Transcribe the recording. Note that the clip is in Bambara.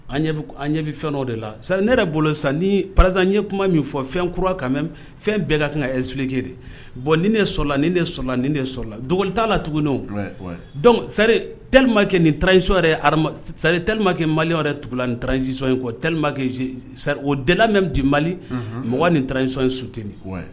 An an ɲɛ bɛ fɛn o de la sari ne yɛrɛ bolo sa ni paz ye kuma min fɔ fɛn kura ka mɛ fɛn bɛɛ ka kan ka efileke de bɔn ni ne sɔrɔla ni de sɔrɔla nin de sɔrɔla t' la tuguninenri tlikɛ nin tasilima kɛ mali yɛrɛ tugula tasisi in kɔ o delamɛ bi mali mɔgɔ ni tarawelec in suteni